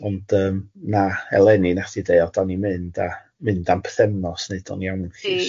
Ond yym na eleni wnath di deu o dan ni'n mynd a mynd am pythefnos wneud o'n iawn lly so... Ia.